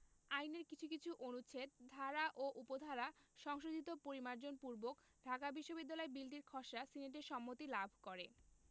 আইনের কিছু কিছু অনুচ্ছেদ ধারা ও উপধারা সংশোধন পরিমার্জন পূর্বক ঢাকা বিশ্ববিদ্যালয় বিলটির খসড়া সিনেটের সম্মতি লাভ করে